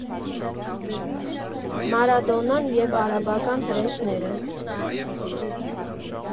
Մարադոնան և արաբական հրեշները։